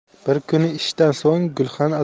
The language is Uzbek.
bir kun ishdan so'ng gulxan